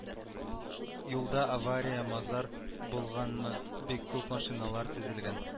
Юлда авария-мазар булганмы бик күп машиналар тезелгән